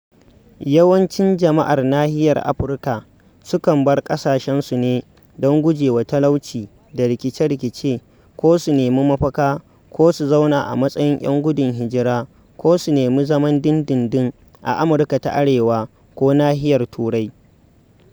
Yawancin jama'ar nahiyar Afirka su kan bar ƙasashensu ne don gujewa talauci da rikice-rikice, su nemi mafaka ko su zauna a matsayin 'yan gudun hijira ko su nemi zaman dindindin a Amurka ta Arewa ko nahiyar Turai.